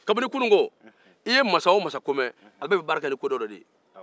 kabini kunuko i ye mansa o mansa ko mɛn a bɛɛ bɛ baara kɛ ni ko dɔ de ye